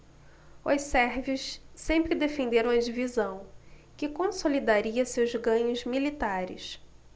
os sérvios sempre defenderam a divisão que consolidaria seus ganhos militares